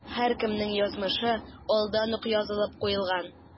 Һәркемнең язмышы алдан ук язылып куелган.